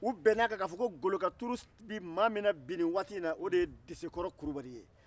u bɛnn'a kan ko golokansigi tuuru bɛ mɔgɔ min na sisan k'o de ye dɛsɛkɔrɔ kulubali ye